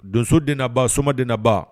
Donso diba so diba